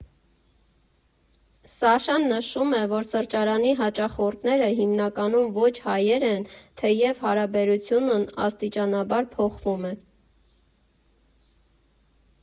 Սաշան նշում է, որ սրճարանի հաճախորդները հիմնականում ոչ հայեր են, թեև հարաբերակցությունն աստիճանաբար փոխվում է։